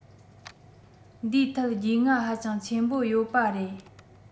འདིའི ཐད རྒྱུས མངའ ཧ ཅང ཆེན པོ ཡོད པ རེད